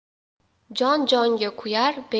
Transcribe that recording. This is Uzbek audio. jon jonga kuyar